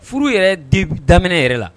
Furu yɛrɛ daminɛ yɛrɛ la